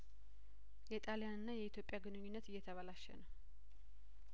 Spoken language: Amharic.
የጣልያንና የኢትዮጵያ ግንኙነት እየተበላሸ ነው